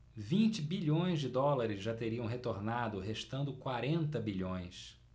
vinte bilhões de dólares já teriam retornado restando quarenta bilhões